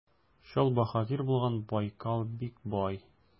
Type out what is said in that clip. Чал баһадир булган Байкал бик бай.